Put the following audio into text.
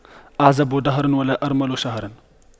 أعزب دهر ولا أرمل شهر